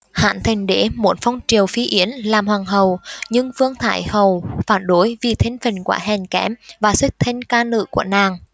hán thành đế muốn phong triệu phi yến làm hoàng hậu nhưng vương thái hậu phản đối vì thân phận quá hèn kém và xuất thân ca nữ của nàng